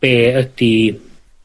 be' ydi